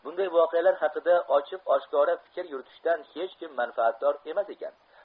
bunday voqealar haqida ochiq oshkora fikr yuritishdan hech kim manfaatdor zmas ekan